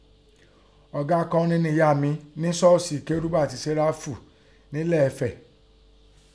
Ọ̀gá akọrin ni ìya à mi nẹ́ ṣọ́ọ̀ṣì Kérúbù àti Séráfù nẹ́ Elé Ẹfẹ̀.